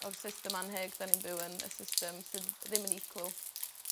o'r system anheg 'dan ni'n byw yn. Y system sydd ddim yn equal.